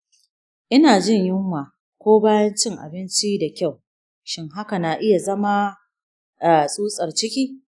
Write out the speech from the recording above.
ina jin yunwa ko bayan cin abinci da kyau, shin haka na iya zama tsutsar-ciki?